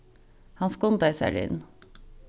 hann skundaði sær inn